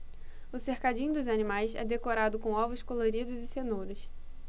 o cercadinho dos animais é decorado com ovos coloridos e cenouras